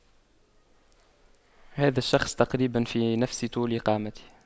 هذا الشخص تقريبا في نفس طول قامتي